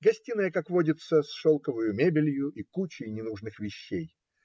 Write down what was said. гостиная, как водится, с шелковой мебелью и кучей ненужных вещей.